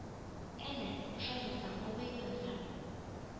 Әнә, ышанмасаң, абыеңнан сора